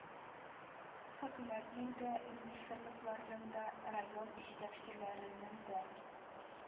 Хөкүмәтнең дә, министрлыкларның да, район җитәкчеләренең дә